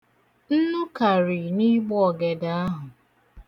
Nnu kari n'ịgbọọgede ahụ.